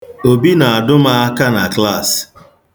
Obi na-adụ m aka n'klas.